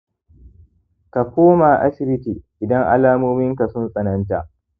ka koma asibiti idan alamomin ka sun tsananta